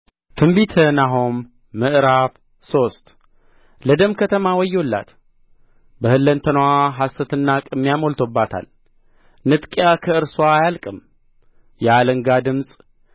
ትንቢተ ናሆም ምዕራፍ ሶስት ለደም ከተማ ወዮላት በሁለንተናዋ ሐሰትና ቅሚያ ሞልቶባታል ንጥቂያ ከእርስዋ አያልቅም የአለንጋ ድምፅ